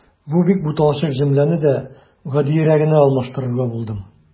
Бу бик буталчык җөмләне дә гадиерәгенә алмаштырырга булдым.